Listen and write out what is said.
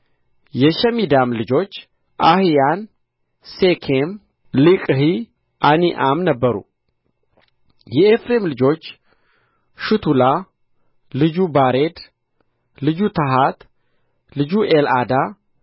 የሸሚዳም ልጆች አሒያን ሴኬም ሊቅሒ አኒዓም ነበሩ የኤፍሬም ልጆች ሹቱላ ልጁ ባሬድ ልጁ ታሐት ልጁ ኤልዓዳ